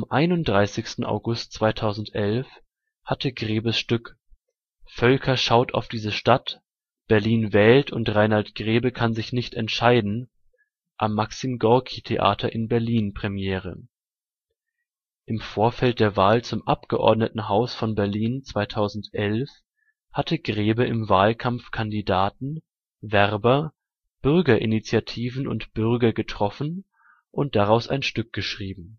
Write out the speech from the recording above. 31. August 2011 hatte Grebes Stück Völker schaut auf diese Stadt – Berlin wählt und Rainald Grebe kann sich nicht entscheiden am Maxim-Gorki-Theater in Berlin Premiere. Im Vorfeld der Wahl zum Abgeordnetenhaus von Berlin 2011 hatte Grebe im Wahlkampf Kandidaten, Werber, Bürgerinitiativen und Bürger getroffen und daraus ein Stück geschrieben